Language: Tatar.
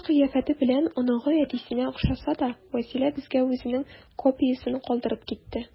Тышкы кыяфәте белән оныгы әтисенә охшаса да, Вәсилә безгә үзенең копиясен калдырып китте.